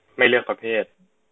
ไม่เลือกประเภท